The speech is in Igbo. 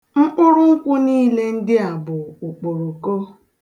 Mkpụrụ nkwụ niile ndị a bụ okporoko